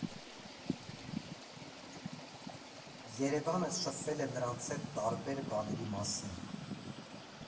ԵՐԵՎԱՆը շփվել է նրանց հետ տարբեր բաների մասին։